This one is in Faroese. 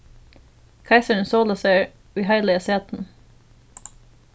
keisarin sólar sær í heilaga sætinum